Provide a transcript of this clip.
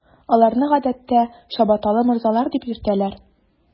Аларны, гадәттә, “чабаталы морзалар” дип йөртәләр.